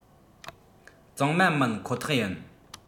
གཙང མ མིན ཁོ ཐག ཡིན